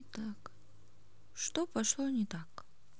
что пошло не так